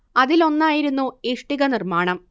അതിലൊന്നായിരുന്നു ഇഷ്ടിക നിർമ്മാണം